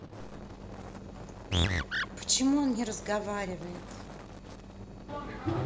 почему он не разговаривает